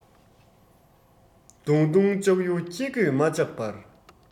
བརྡུངས བརྡུངས ལྕག ཡུ ཁྱི མགོས མ བཅག པར